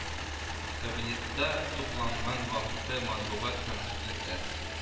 Кабинетта тупланган вакыты матбугат һәм сүзлекләр